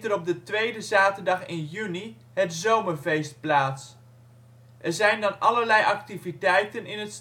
op de tweede zaterdag in juni het zomerfeest plaats. Er zijn dan allerlei activiteiten in het